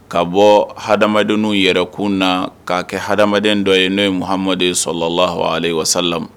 Ka bɔ hadamaden yɛrɛkun na k'a kɛ hadamaden dɔ ye n'o ye mu hamaduden sɔrɔla la h ale wala